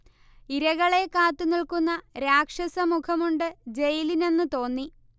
ഇരകളെ കാത്തുനിൽക്കുന്ന രാക്ഷസ മുഖമുണ്ട് ജയിലിനെന്ന് തോന്നി